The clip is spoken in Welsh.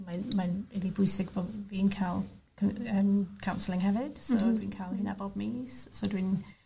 mae'n mae'n rili bwysig bo' fi'n ca'l cw- yym counselling hefyd so dwi'n ca'l hynna pob mis so dwi'n ...